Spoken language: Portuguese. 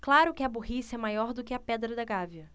claro que a burrice é maior do que a pedra da gávea